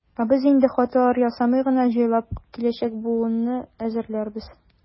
Ә без инде, хаталар ясамый гына, җайлап киләчәк буынны әзерләрбез.